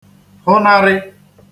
hụnarị̄